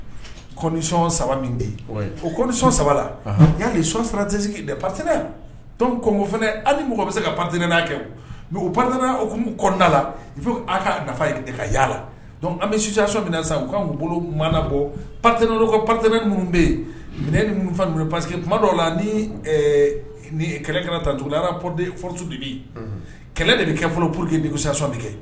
Sɔn saba osɔn saba'a sɔ tɛ pate kɔnko fana mɔgɔ bɛ se ka pantɛnɛn'a kɛ pa o kɔnda la i bɛ ka nafa kala an bɛsɔ sa u' bolo bɔ pat patteɛnɛn minnu bɛ yen pa que tuma dɔw la ni kɛlɛ kɛra tancogo pteorotu de bɛ kɛlɛ de bɛ kɛ fɔlɔ po que de kɛ